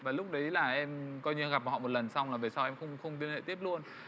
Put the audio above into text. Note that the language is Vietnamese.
và lúc đấy là em coi như gặp họ một lần xong là về sau em không không liên hệ tiếp luôn